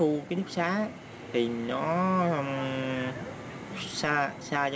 khu kí túc xá thì nó xa xa